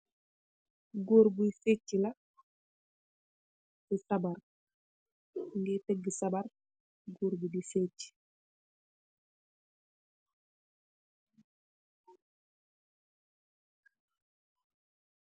Goor boi fetcha la di sabar mogeh tega sabar goor di fetcha.